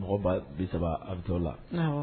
Mɔgɔ bi saba a bɛ to la